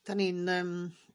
'Dan ni'n yym